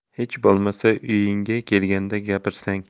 hech bo'lmasa uyingga kelganda gapirsang